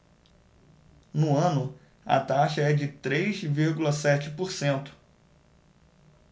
no ano a taxa é de três vírgula sete por cento